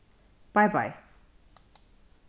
bei bei